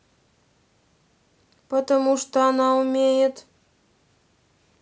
потому что она умеет